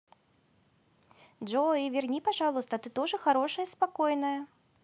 джой верни пожалуйста ты тоже хорошая и спокойная